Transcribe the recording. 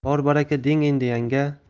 bor baraka deng endi yanga